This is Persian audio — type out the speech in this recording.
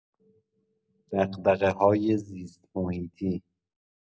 دغدغه‌های زیست‌محیطی